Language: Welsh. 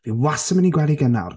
Fi wastad yn mynd i'r gwely yn gynnar.